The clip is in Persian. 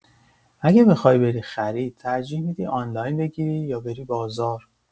اگه بخوای بری خرید، ترجیح می‌دی آنلاین بگیری یا بری بازار؟